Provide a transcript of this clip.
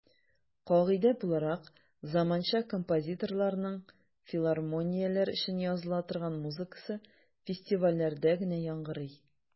Кагыйдә буларак, заманча композиторларның филармонияләр өчен языла торган музыкасы фестивальләрдә генә яңгырый.